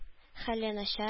Хәле начар